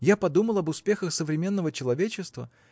я подумал об успехах современного человечества